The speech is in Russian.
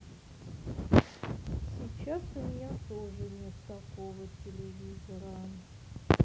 сейчас у меня тоже нет такого телевизора